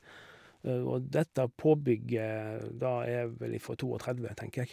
Og dette påbygget, da, er vel ifra to og tredve, tenker jeg.